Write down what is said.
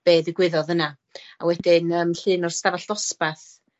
be' ddigwyddodd yna. A wedyn yym llun o'r stafell dosbath